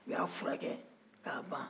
u y'a furakɛ k'a ban